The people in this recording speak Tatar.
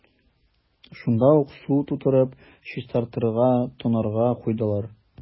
Шунда ук су тутырып, чистарырга – тонарга куйдылар.